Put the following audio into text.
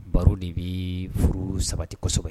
Baro de bɛ furu sabati kosɛbɛ